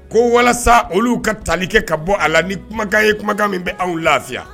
Ko walasa olu ka tali kɛ ka bɔ a la ni kumakan ye kumakan min bɛ aw lafiya